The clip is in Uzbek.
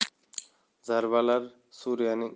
zarbalar suriyaning iroq bilan